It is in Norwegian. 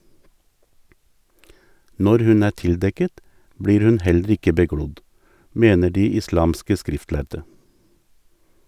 Når hun er tildekket, blir hun heller ikke beglodd, mener de islamske skriftlærde.